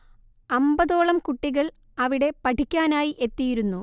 അമ്പതോളം കുട്ടികൾ അവിടെ പഠിക്കാനായി എത്തിയിരുന്നു